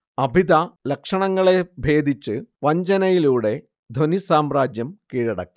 അഭിധ ലക്ഷണങ്ങളെ ഭേദിച്ച് വഞ്ചനയിലൂടെ ധ്വനിസാമ്രാജ്യം കീഴടക്കി